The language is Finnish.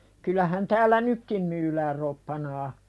kyllähän täällä nytkin myydään roppanaa